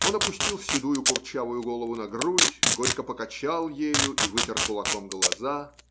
Он опустил седую курчавую голову на грудь, горько покачал ею и вытер кулаком глаза.